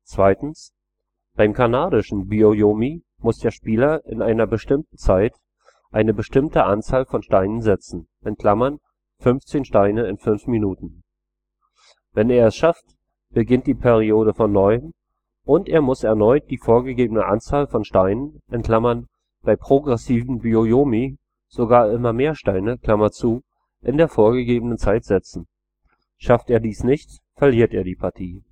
Partie. Beim kanadischen Byo-Yomi muss der Spieler in einer bestimmten Zeit eine bestimmte Anzahl von Steinen setzen (15 Steine in 5 Minuten). Wenn er es schafft, beginnt die Periode von neuem und er muss erneut die vorgegebene Anzahl von Steinen (bei progressiven Byo-Yomi sogar immer mehr Steine) in der vorgegebenen Zeit setzen. Schafft er dies nicht, verliert er die Partie